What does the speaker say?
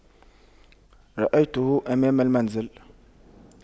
رأيته أمام المنزل